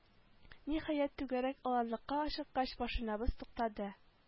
Ниһаять түгәрәк аланлыкка чыккач машинабыз туктады